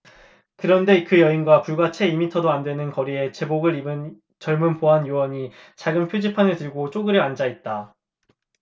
그런데 그 여인과 불과 채 두 미터도 안 되는 거리에 제복을 입은 젊은 보안 요원이 작은 표지판을 들고 쪼그려 앉아 있다